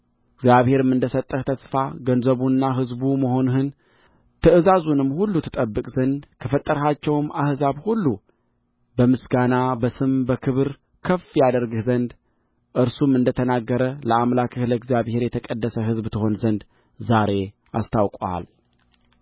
እግዚአብሔርም እንደ ሰጠህ ተስፋ ገንዘቡና ሕዝቡ መሆንህን ትእዛዙንም ሁሉ ትጠብቅ ዘንድ ከፈጠራቸውም አሕዛብ ሁሉ በምስጋና በስም በክብር ከፍ ያደርግህ ዘንድ እርሱም እንደ ተናገረ ለአምላክህ ለእግዚአብሔር የተቀደሰ ሕዝብ ትሆን ዘንድ ዛሬ አስታውቆአል